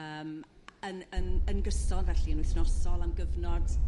yrm yn yn yn gyson felly yn wythnosol am gyfnod